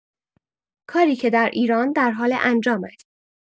کاری که در ایران در حال انجام است.